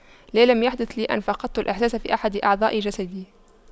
لا لم يحدث لي أن فقدت الإحساس في أحد اعضاء جسدي